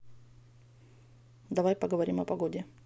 давай поговорим о погоде